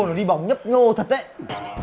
này đi bóng nhấp nhô thật đấy